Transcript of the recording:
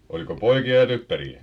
oliko poikia ja tyttäriä